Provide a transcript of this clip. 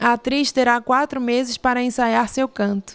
a atriz terá quatro meses para ensaiar seu canto